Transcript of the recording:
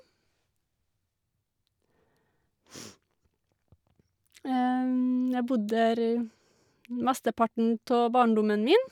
Jeg bodde der mesteparten tå barndommen min.